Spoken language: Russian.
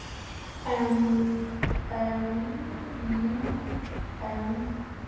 эм эм м эм